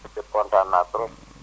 kontaan naa trop